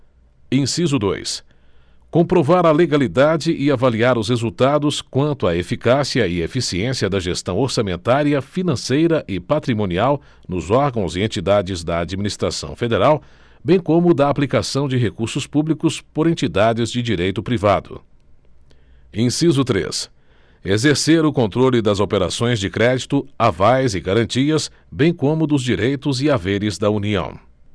inciso dois comprovar a legalidade e avaliar os resultados quanto à eficácia e eficiência da gestão orçamentária financeira e patrimonial nos órgãos e entidades da administração federal bem como da aplicação de recursos públicos por entidades de direito privado inciso três exercer o controle das operações de crédito avais e garantias bem como dos direitos e haveres da união